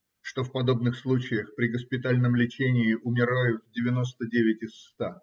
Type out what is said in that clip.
что в подобных случаях, при госпитальном лечении, умирают девяносто девять из ста.